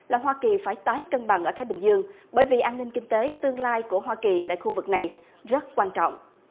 là hoa kỳ phải tái cân bằng ở thái bình dương bởi vì an ninh kinh tế tương lai của hoa kỳ tại khu vực này rất quan trọng